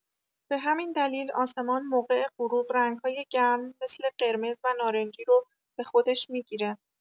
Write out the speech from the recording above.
به همین دلیل آسمان موقع غروب، رنگ‌های گرم مثل قرمز و نارنجی رو به خودش می‌گیره.